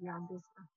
jiro